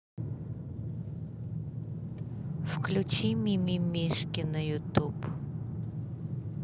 включи мимимишки на ютуб